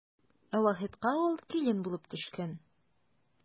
Ә Вахитка ул килен булып төшкән.